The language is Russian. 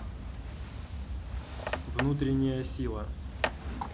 внутренняя сила